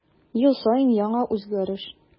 Ел саен яңа үзгәреш.